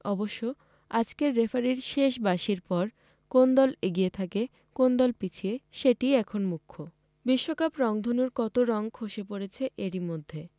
অবশ্য আজকের রেফারির শেষ বাঁশির পর কোন দল এগিয়ে থাকে কোন দল পিছিয়ে সেটিই এখন মুখ্য বিশ্বকাপ রংধনুর কত রং খসে পড়েছে এরই মধ্যে